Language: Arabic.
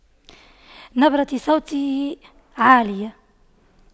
نبرة صوته عالية